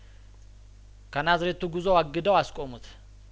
ከናዝሬቱ ጉዞው አግደው አስቆሙት